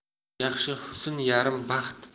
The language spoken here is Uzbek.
yaxshi husn yarim baxt